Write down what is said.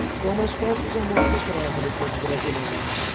sou uma espécie de amor secreto do povo brasileiro